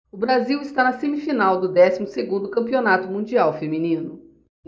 o brasil está na semifinal do décimo segundo campeonato mundial feminino